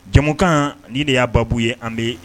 Jamukan ni de y'a baa ye an bɛ ye